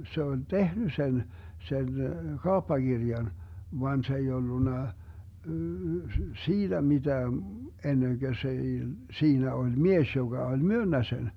se oli tehnyt sen sen kauppakirjan vaan se ei ollut siitä mitään ennen kuin se ei siinä oli mies joka oli myynyt sen